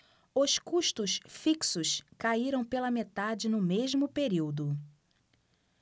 os custos fixos caíram pela metade no mesmo período